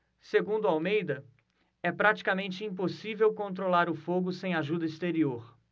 segundo almeida é praticamente impossível controlar o fogo sem ajuda exterior